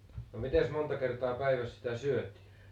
no mitenkäs monta kertaa päivässä sitä syötiin